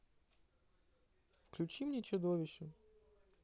включи мне чудовище